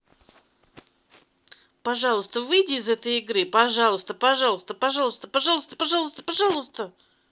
пожалуйста выйди из этой игры пожалуйста пожалуйста пожалуйста пожалуйста пожалуйста пожалуйста